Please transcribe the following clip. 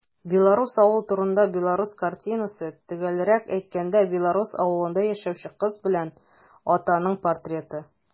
Белорус авылы турында белорус картинасы - төгәлрәк әйткәндә, белорус авылында яшәүче кыз белән атаның портреты.